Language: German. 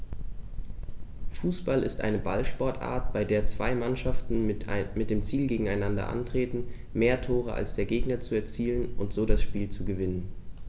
Fußball ist eine Ballsportart, bei der zwei Mannschaften mit dem Ziel gegeneinander antreten, mehr Tore als der Gegner zu erzielen und so das Spiel zu gewinnen.